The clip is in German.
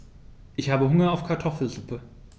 Ich habe Hunger auf Kartoffelsuppe.